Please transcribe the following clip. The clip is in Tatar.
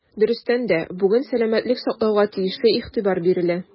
Дөрестән дә, бүген сәламәтлек саклауга тиешле игътибар бирелә.